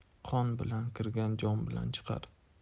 qon bilan kirgan jon bilan chiqar